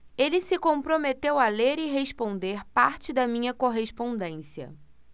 ele se comprometeu a ler e responder parte da minha correspondência